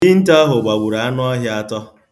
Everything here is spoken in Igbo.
Dinta ahụ gbagburu anụ ọhịa atọ.